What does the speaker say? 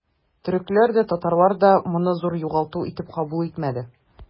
Төрекләр дә, татарлар да моны зур югалту итеп кабул итмәде.